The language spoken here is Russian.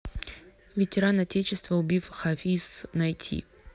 ветеран отечества убив хафиз найти